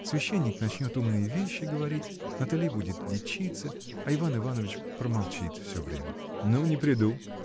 Священник начнет умные вещи говорить, Натали будет дичиться, а Иван Иванович промолчит всё время. — Ну, не приду!